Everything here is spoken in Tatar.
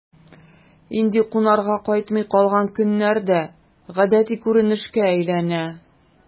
Инде кунарга кайтмый калган көннәр дә гадәти күренешкә әйләнә...